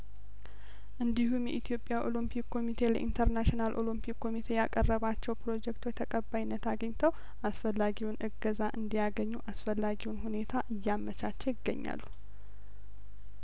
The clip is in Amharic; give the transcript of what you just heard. እንዲሁም የኢትዮጵያ ኦሎምፒክ ኮሚቴ ለኢንተርናሽናል ኦሎምፒክ ኮሚቴ ያቀረባቸው ፕሮጀክቶች ተቀባይነት አግኝተው አስፈላጊውን እገዛ እንዲያገኙ አስፈላጊውን ሁኔታ እያመቻች ይገኛሉ